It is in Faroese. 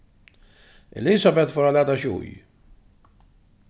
elisabet fór at lata seg í